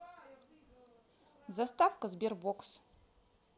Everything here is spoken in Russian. заставка sberbox